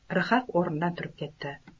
rhaq o'rnidan turib ketdi